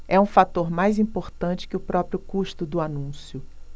é um fator mais importante que o próprio custo do anúncio